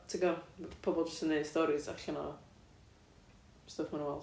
ti gwbod ma' pobl jyst yn neud storis allan o stwff ma' nhw'n weld